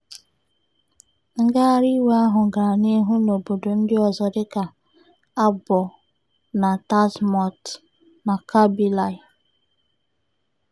Ngagharị iwe ahụ gara n'ihu n'obodo ndị ọzọ dịka Akbou na Tazmalt na Kabylie.